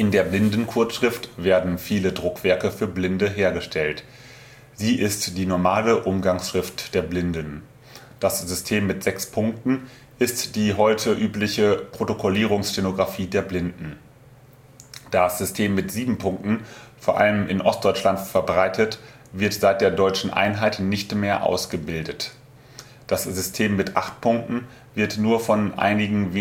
der Blindenkurzschrift werden viele Druckwerke für Blinde hergestellt; sie ist die normale Umgangsschrift der Blinden. Das System mit 6 Punkten ist die heute übliche Protokollierungsstenographie der Blinden. Das System mit 7 Punkten, vor allem in Ostdeutschland verbreitet wird seit der deutschen Einheit nicht mehr ausgebildet. Das System mit 8 Punkten wird nur von einigen